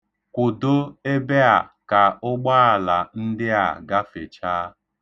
Kwụdo ebe ahụ ka ụgbaala ndị a gbafechaa!